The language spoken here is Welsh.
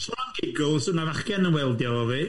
Sôn am giggles, ma' na fachgen yn weldio efo fi.